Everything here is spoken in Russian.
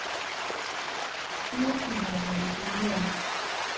нет меня зовут мила